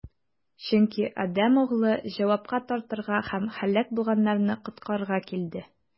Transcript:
Чөнки Адәм Углы җавапка тартырга һәм һәлак булганнарны коткарырга килде.